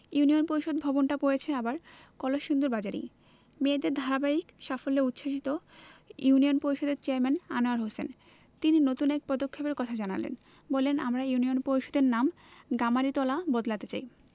union Parishad ভবনটা পড়েছে আবার কলসিন্দুর বাজারেই মেয়েদের ধারাবাহিক সাফল্যে উচ্ছ্বসিত ইউনিয়ন পরিষদের চেয়ারম্যান আনোয়ার হোসেন তিনি নতুন এক পদক্ষেপের কথা জানালেন বললেন আমরা ইউনিয়ন পরিষদের নাম গামারিতলা বদলাতে চাই